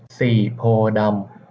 สี่โพธิ์ดำ